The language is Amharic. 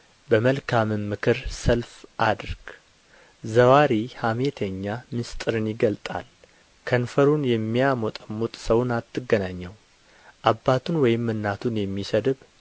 በመልካምም ምክር ሰልፍ አድርግ ዘዋሪ ሐሜተኛ ምሥጢርን ይገልጣል ከንፈሩን የሚያሞጠሙጥ ሰውን አትገናኘው አባቱን ወይም እናቱን የሚሰድብ